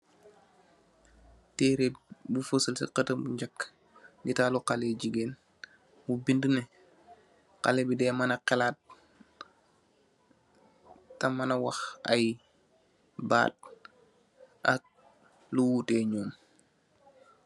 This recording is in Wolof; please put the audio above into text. Terreh bu fasal ci xatam bu njak, nitalyu xaleh gigeen, bindè neh xaleh bi dèy mana xelat , teh mana wax ay bat ak luwutè njom.